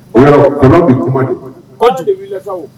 O la kɔnɔ bɛ kuma de, kojugu